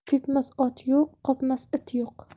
tepmas ot yo'q qopmas it yo'q